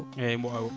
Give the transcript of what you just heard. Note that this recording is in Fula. eyyi mo awi o